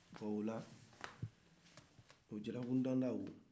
ɔ ola o jalamundanda o